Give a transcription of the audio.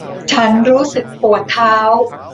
ฉันรู้สึกปวดเท้า